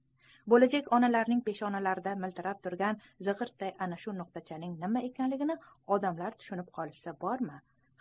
bo'lajak onalarning peshonalarida miltillab turgan zig'irtday ana shu nuqtachaning nima ekanligini odamlar tushunib qolishsa bormi